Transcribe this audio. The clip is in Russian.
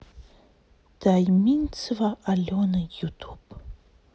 тойминцева алена ютуб